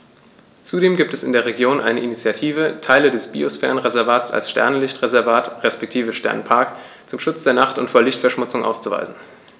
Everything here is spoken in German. Zudem gibt es in der Region eine Initiative, Teile des Biosphärenreservats als Sternenlicht-Reservat respektive Sternenpark zum Schutz der Nacht und vor Lichtverschmutzung auszuweisen.